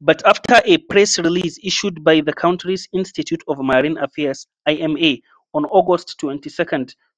But after a press release issued by the country's Institute of Marine Affairs (IMA) on August 22,